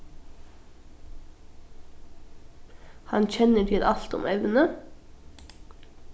hann kennir til alt um evnið